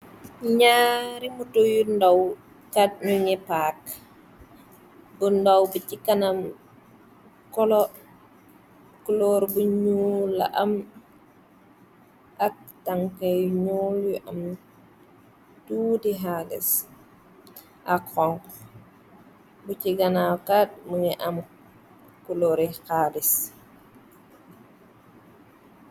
Naari moto yu ndaw kat ñungi paak bu ndaw bi ci kanam colour colur bu nuul la am ak tankey ñuul yu am tuti xaalis ak xonxo bi ci ganaw kat mongi am kulóori xaalis.